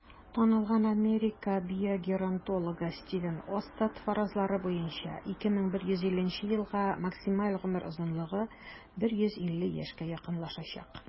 Танылган Америка биогеронтологы Стивен Остад фаразлары буенча, 2150 елга максималь гомер озынлыгы 150 яшькә якынлашачак.